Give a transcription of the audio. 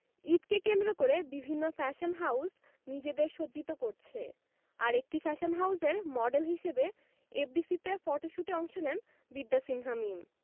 ঈদকে কেন্দ্র করে বিভিন্ন ফ্যাশন হাউজ নিজেদের সজ্জিত করছে আর একটি ফ্যাশন হাউজের মডেল হিসেবে এফডিসি তে ফটোশ্যুটে অংশ নেন বিদ্যা সিনহা মীম